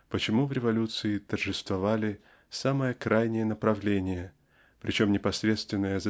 почему в революции торжествовали самые крайние направления причем непосредственные